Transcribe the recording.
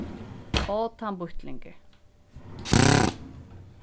á tann býttlingur